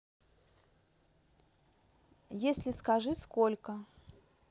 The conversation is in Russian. если скажи сколько